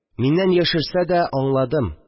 Миннән яшерсә дә, аңладым